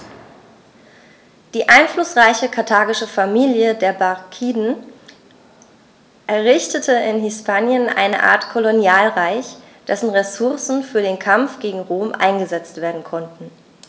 Die einflussreiche karthagische Familie der Barkiden errichtete in Hispanien eine Art Kolonialreich, dessen Ressourcen für den Kampf gegen Rom eingesetzt werden konnten.